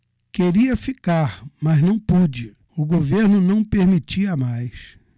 queria ficar mas não pude o governo não permitia mais